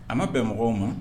A ma bɛn mɔgɔw ma.